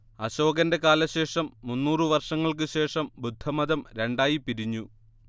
അശോകന്റെ കാലശേഷം മുന്നൂറ് വർഷങ്ങൾക്ക് ശേഷം ബുദ്ധമതം രണ്ടായി പിരിഞ്ഞു